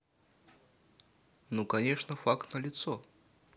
ну конечно факт на лицо